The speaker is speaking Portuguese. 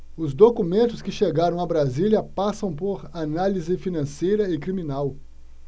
os documentos que chegaram a brasília passam por análise financeira e criminal